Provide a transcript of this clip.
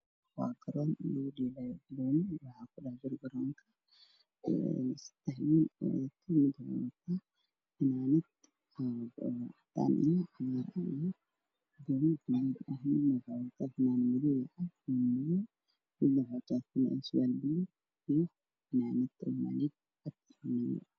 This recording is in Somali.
Waa garoon lugu dheelaayo banooni waxaa kujiro seddex wiil mid waxuu wataa fanaanad cadaan, cagaar iyo gaduud, wiilka kalana waxuu wataa fanaanad cadaan iyo madow, midna surwaal buluug ah iyo fanaanad.